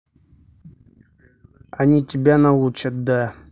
они тебя научат да